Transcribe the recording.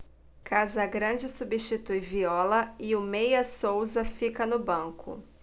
casagrande substitui viola e o meia souza fica no banco